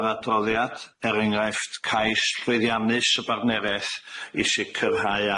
yr adroddiad er enghraifft cais llwyddiannus y bardnereth i sicyrhau